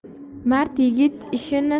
mard yigit izini